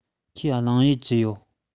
ཁོས རླུང གཡབ གྱི ཡོད